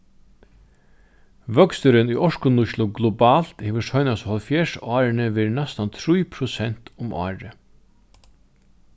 vøksturin í orkunýtslu globalt hevur seinastu hálvfjerðs árini verið næstan trý prosent um árið